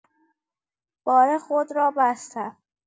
بار خود را بستن